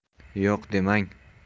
yo'q demang